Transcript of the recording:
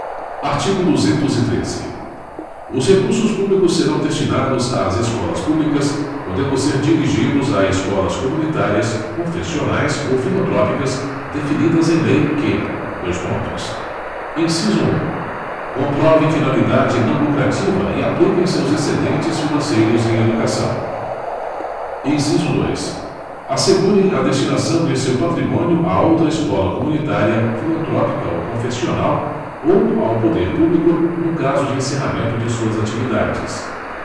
artigo duzentos e treze os recursos públicos serão destinados às escolas públicas podendo ser dirigidos a escolas comunitárias confessionais ou filantrópicas definidas em lei que dois pontos inciso um comprovem finalidade não lucrativa e apliquem seus excedentes financeiros em educação inciso dois assegurem a destinação de seu patrimônio a outra escola comunitária filantrópica ou confessional ou ao poder público no caso de encerramento de suas atividades